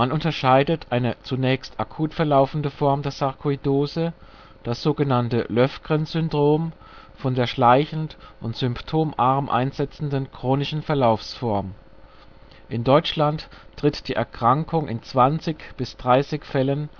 unterscheidet eine zunächst akut verlaufende Form der Sarkoidose (das so genannte Löfgren-Syndrom) von der schleichend und symptomarm einsetzenden chronischen Verlaufsform. In Deutschland tritt die Erkrankung in 20-30 Fällen